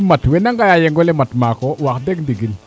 i mat wena ngaya yengole mat maako wax deg ndingil